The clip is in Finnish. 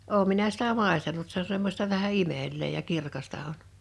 olen minä sitä maistanut se on semmoista vähän imelää ja kirkasta on